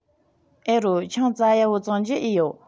ཨེ རོ ཆང ཙ ཡ བོ བཙོང རྒྱུ ཨེ ཡོད